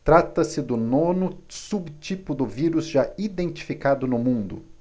trata-se do nono subtipo do vírus já identificado no mundo